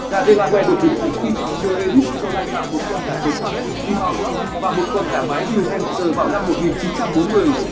gà delaware được hình thành khi george ellis cho lai tạo một con gà trống barred plymouth rock và một con gà mái new hampshire vào năm